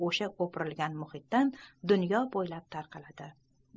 o'sha o'pirilgan muhitdan dunyo bo'ylab tarqaladi